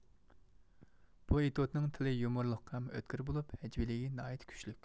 بۇ ئېتوتنىڭ تىلى يۇمۇرلۇق ھەم ئۆتكۈر بولۇپ ھەجۋىيلىكى ناھايىتى كۈچلۈك